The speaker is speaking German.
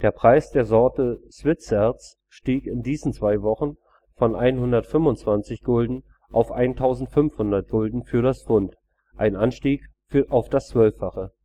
Preis der Sorte Switserts stieg in diesen zwei Wochen von 125 Gulden auf 1.500 Gulden für das Pfund, ein Anstieg auf das Zwölffache